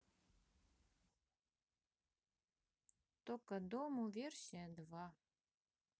тока дому версия два